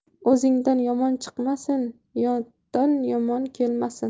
o'zingdan yomon chiqmasin yotdan yomon kelmasin